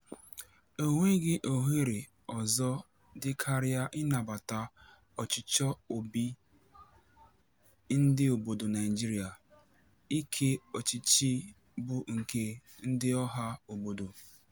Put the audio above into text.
E nweghị ohere ọzọ dị karịa ịnabata ọchịchọ obi ndị obodo Naijiria, ike ọchịchị bụ nke ndị ọha obodo.